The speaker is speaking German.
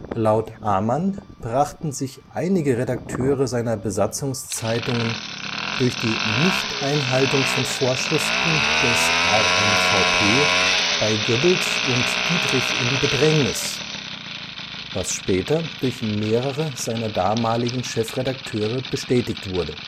Laut Amann brachten sich einige Redakteure seiner Besatzungszeitungen durch die Nichteinhaltung von Vorschriften des RMVP bei Goebbels und Dietrich in Bedrängnis (was später durch mehrere seiner damaligen Chefredakteure bestätigt wurde